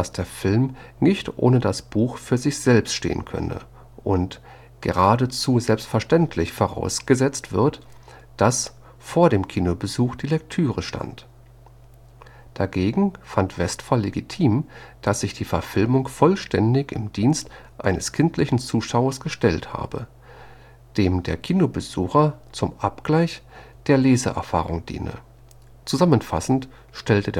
der Film nicht ohne das Buch für sich selbst stehen könne und „ geradezu selbstverständlich vorausgesetzt [wird], dass vor dem Kinobesuch die Lektüre stand. “Dagegen fand Westphal legitim, dass sich die Verfilmung „ vollständig im Dienst eines kindlichen Zuschauers “gestellt habe, dem der Kinobesuch zum „ Abgleich [der] Leseerfahrung “diene. Zusammenfassend stellte